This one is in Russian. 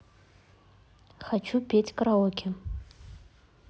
хочу петь караоке